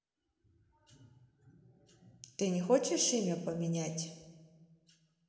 ты не хочешь имя поменять